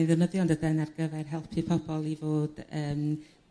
ei ddefnyddio yndyden ar gyfer helpu pobl i fod yn